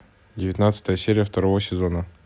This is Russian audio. девятнадцатая серия второго сезона